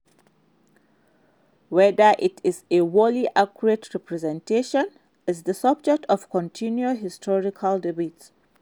Whether that is a wholly accurate representation is the subject of continuing historical debate.